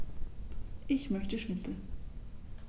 Ich möchte Schnitzel.